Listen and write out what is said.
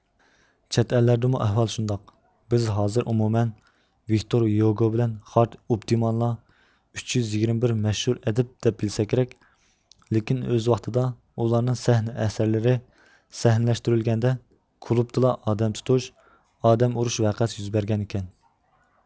چەت ئەللەردىمۇ ئەھۋال شۇنداق بىز ھازىر ئومۇمەن ۋىكتور ھىيوگو بىلەن خارت ئۇپتىماننىلا ئۈچ يۈز يىگىرمە بىر مەشھۇر ئەدىب دەپ بىلسەك كېرەك لېكىن ئۆز ۋاقتىدا ئۇلارنىڭ سەھنە ئەسەرلىرى سەھنىلەشتۈرۈلگەندە كۇلۇبتىلا ئادەم تۇتۇش ئادەم ئۇرۇش ۋەقەسى يۈز بەرگەنىكەن